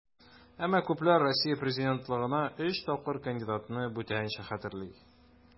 Әмма күпләр Россия президентлыгына өч тапкыр кандидатны бүтәнчә хәтерли.